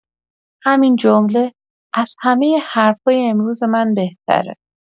همین جمله از همه حرف‌های امروز من بهتره.